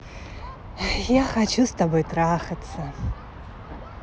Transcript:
я хочу с тобой трахаться